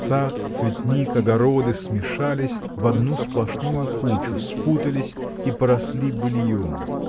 Сад, цветник, огороды — смешались в одну сплошную кучу, спутались и поросли былием.